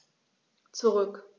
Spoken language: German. Zurück.